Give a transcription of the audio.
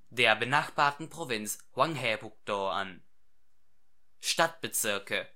der benachbarten Provinz Hwanghae-pukto an. Stadtbezirke